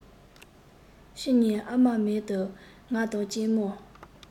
ཕྱི ཉིན ཨ མ མེད དུ ང དང གཅེན པོ